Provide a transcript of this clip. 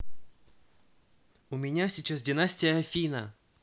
у меня сейчас династия афина